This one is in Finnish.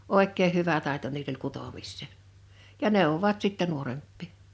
oikein hyvä taito niillä oli kutomiseen ja neuvoivat sitten nuorempia